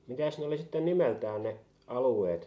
mitäs ne oli sitten nimeltään ne alueet